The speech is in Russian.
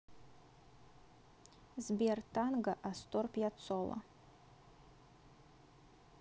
сбер танго астор пьяццола